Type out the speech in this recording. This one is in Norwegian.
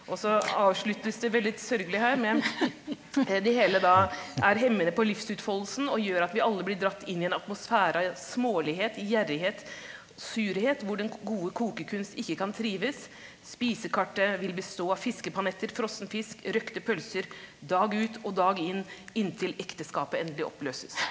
og så avsluttes det vel litt sørgelig her med det hele da er hemmende på livsutfoldelsen og gjør at vi alle blir dratt inn i en atmosfære av smålighet, gjerrighet, surhet, hvor den gode kokekunst ikke kan trives, spisekartet vil bestå av fiskepanetter, frossen fisk, røkte pølser, dag ut og dag inn inntil ekteskapet endelig oppløses.